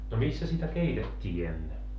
no missä sitä keitettiin ennen